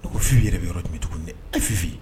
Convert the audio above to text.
Ne ko f i yɛrɛ bɛ yɔrɔ tun bɛ tugun ififin yen